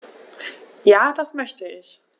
Ja, das möchte ich.